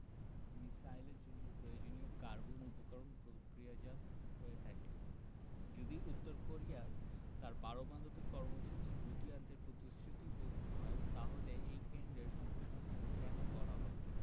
মিসাইলের জন্য প্রয়োজনীয় কার্বন উপকরণ প্রক্রিয়াজাত হয়ে থাকে যদি উত্তর কোরিয়া তার পারমাণবিক কর্মসূচি গুটিয়ে আনতে প্রতিশ্রুতিবদ্ধ হয় তাহলে এই কেন্দ্রের সম্প্রসারণ কেন করা হবে